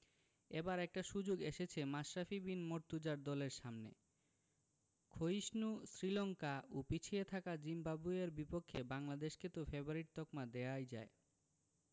এবার একটা সুযোগ এসেছে মাশরাফি বিন মুর্তজার দলের সামনে ক্ষয়িষ্ণু শ্রীলঙ্কা ও পিছিয়ে থাকা জিম্বাবুয়ের বিপক্ষে বাংলাদেশকে তো ফেবারিট তকমা দেওয়াই যায়